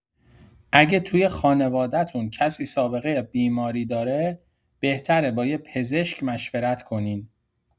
اگه توی خانواده‌تون کسی سابقه بیماری داره، بهتره با یه پزشک مشورت کنین.